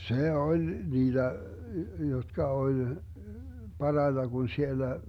se oli niitä jotka oli parhaita kun siellä